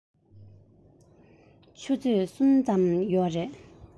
ཆུ ཚོད གསུམ ཙམ ཡོད རེད